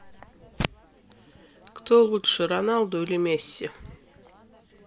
кто лучше роналду или месси